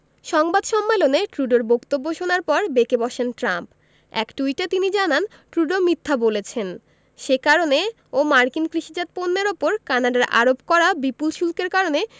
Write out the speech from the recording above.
সংবাদ সম্মেলনে ট্রুডোর বক্তব্য শোনার পর বেঁকে বসেন ট্রাম্প এক টুইটে তিনি জানান ট্রুডো মিথ্যা বলেছেন সে কারণে ও মার্কিন কৃষিজাত পণ্যের ওপর কানাডার আরোপ করা বিপুল শুল্কের কারণে